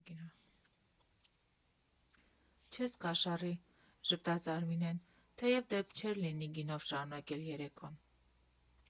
Չես կաշառի, ֊ ժպտաց Արմինեն, թեև դեմ չէր լինի գինով շարունակել երեկոն։